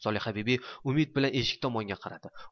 solihabibi umid bilan eshik tomonga qaradi